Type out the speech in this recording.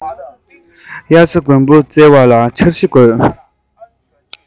དབྱར རྩྭ དགུན འབུ བཙལ བ ལ འཆར གཞི བཀོད